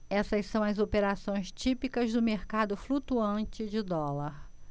essas são as operações típicas do mercado flutuante de dólar